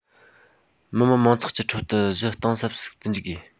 མི དམངས མང ཚོགས ཀྱི ཁྲོད དུ གཞི གཏིང ཟབ ཟུག ཏུ འཇུག དགོས